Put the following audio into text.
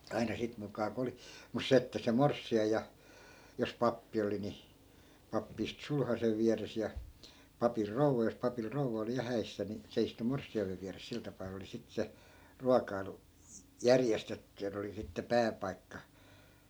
aina sitä mukaa kun oli mutta se että se morsian ja jos pappi oli niin pappi istui sulhasen vieressä ja papin rouva jos papilla rouva oli ja häissä niin se istui morsiamen vieressä sillä tapaa oli sitten se ruokailu järjestetty ja ne oli sitten pääpaikka